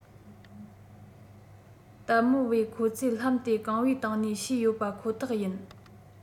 ལྟད མོ བས ཁོ ཚོས ལྷམ དེ རྐང བའི སྟེང ནས བཤུས ཡོད པ ཁོ ཐག ཡིན